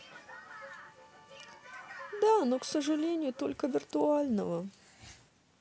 да но к сожалению только виртуального